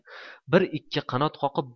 bir ikki qanot qoqib